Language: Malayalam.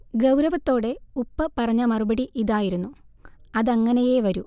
ഗൗരവത്തോടെ ഉപ്പ പറഞ്ഞ മറുപടി ഇതായിരുന്നു: അതങ്ങനെയേ വരൂ